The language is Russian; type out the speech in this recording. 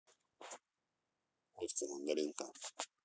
утка мандаринка